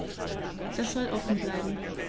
Das soll offen bleiben.